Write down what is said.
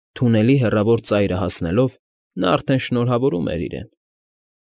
Թունելի հեռավոր ծայրը հասնելով՝ նա արդեն շնորհավորում էր իրեն։